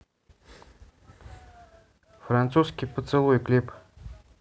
французский поцелуй клип